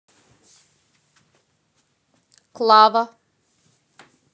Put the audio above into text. клава